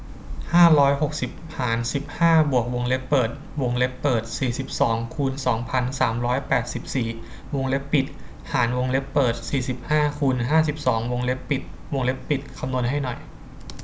ห้าร้อยหกสิบหารสิบห้าบวกวงเล็บเปิดวงเล็บเปิดสี่สิบสองคูณสองพันสามร้อยแปดสิบสี่วงเล็บปิดหารวงเล็บเปิดสี่สิบห้าคูณห้าสิบสองวงเล็บปิดวงเล็บปิดคำนวณให้หน่อย